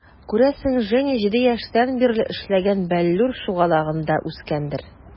Күрәсең, Женя 7 яшьтән бирле эшләгән "Бәллүр" шугалагында үскәндер.